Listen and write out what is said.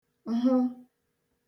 hụ